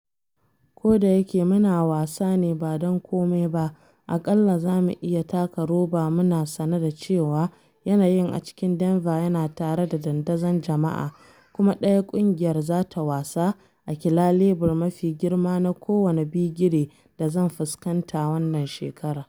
“Kodayake muna wasa ne ba dan kome ba, aƙalla za mu iya taka roba muna sane da cewa yanayin a cikin Denver yana tare da dandazon jama’a kuma ɗaya ƙungiyar za ta wasa a kila lebur mafi girma na kowane bigire da zan fuskanta wannan shekara.